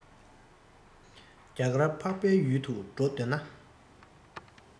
རྒྱ གར འཕགས པའི ཡུལ དུ འགྲོ འདོད ན